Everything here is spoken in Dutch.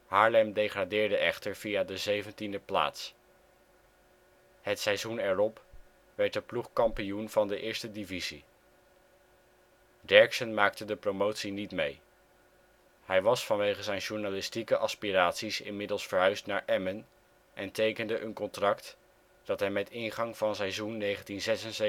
Haarlem degradeerde echter via de zeventiende plaats. Het seizoen erop werd de ploeg kampioen van de Eerste divisie. Derksen maakte de promotie niet mee. Hij was vanwege zijn journalistieke aspiraties inmiddels verhuisd naar Emmen en tekende een contract dat hem met ingang van seizoen 1976/77